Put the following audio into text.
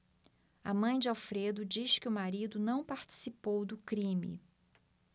a mãe de alfredo diz que o marido não participou do crime